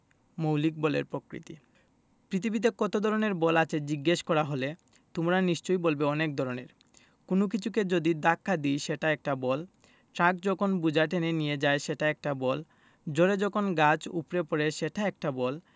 মৌলিক বলের প্রকৃতিঃ পৃথিবীতে কত ধরনের বল আছে জিজ্ঞেস করা হলে তোমরা নিশ্চয়ই বলবে অনেক ধরনের কোনো কিছুকে যদি ধাক্কা দিই সেটা একটা বল ট্রাক যখন বোঝা টেনে নিয়ে যায় সেটা একটা বল ঝড়ে যখন গাছ উপড়ে পড়ে সেটা একটা বল